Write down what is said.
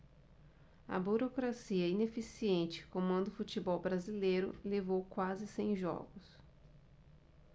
a burocracia ineficiente que comanda o futebol brasileiro levou quase cem jogos